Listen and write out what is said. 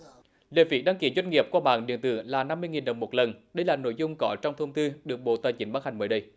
lệ phí đăng ký doanh nghiệp qua mạng điện tử là năm mươi nghìn đồng một lần đây là nội dung có trong thông tư được bộ tài chính ban hành mới đây